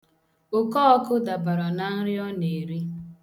Okọọkụ dabara na nri ọ na-eri.